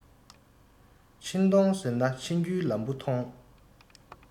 ཕྱིན གཏོང ཟེར ན ཕྱིན རྒྱུའི ལམ བུ ཐོང